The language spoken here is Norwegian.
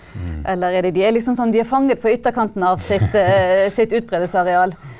eller er det de er liksom sånn de er fanget på ytterkanten av sitt sitt utbredelsesareal.